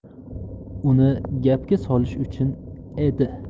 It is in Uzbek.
uni gapga solish uchun edi